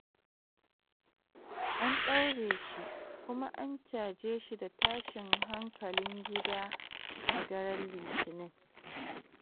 An ɗaure shi kuma an caje shi da tashin hankalin gida a daren Litinin